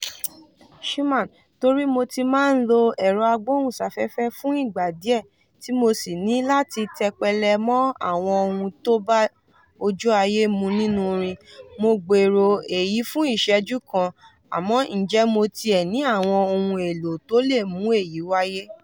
Xuman: Torí mo ti máa ń lo ẹ̀rọ agbóhùnsáfẹ́fẹ́ fún ìgbà díẹ̀ tí mo sì ní láti tẹpẹlẹ mọ àwọn ohun tó bá ojú ayé mú nínú orin... Mo gbèrò èyí fún ìṣẹ́jú kan, àmọ́ ǹjẹ́ mo tiẹ̀ ní àwọn ohun èlò tó lè mú èyí wáyé.